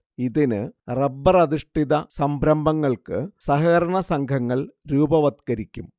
ഇതിന് റബ്ബറധിഷ്ഠിത സംരംഭങ്ങൾക്ക് സഹകരണ സംഘങ്ങൾ രൂപവത്കരിക്കും